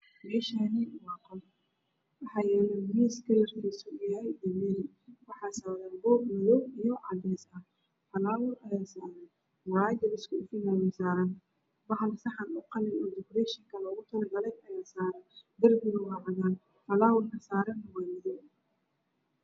Meshaani waa qol waxaa yaala miis kaalrkiisa yahy paluug wqxaa saaran puug cadees iyo madow ah faalawar aya saaran muraayada lisku ifinayo ayaa saran saxan qalin oo opreeshinka loogu talagaly ayaa saran darpiga waa cagaar falaawarka sarana waa madow